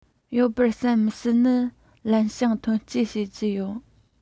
ཡིན པར བསམ མི སྲིད ནི ལེན ཞང ཐོན སྐྱེད བྱེད ཀྱི ཡོད